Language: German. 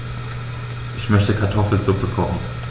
Ich möchte Kartoffelsuppe kochen.